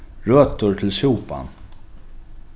røtur til súpan